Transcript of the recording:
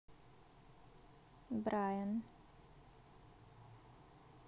brian